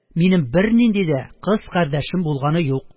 Минем бернинди дә «кыз кардәшем» булганы юк.